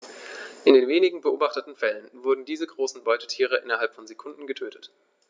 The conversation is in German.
In den wenigen beobachteten Fällen wurden diese großen Beutetiere innerhalb von Sekunden getötet.